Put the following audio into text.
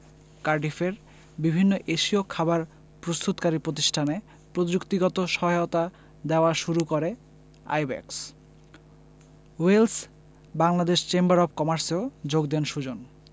কার্ডিফের বিভিন্ন এশীয় খাবার প্রস্তুতকারী প্রতিষ্ঠানে প্রযুক্তিগত সহায়তা দেওয়া শুরু করে IBACS Wales Bangladesh chamber of কমার্সেও যোগ দেন সুজন